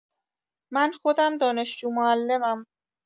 من خودم دانشجو معلمم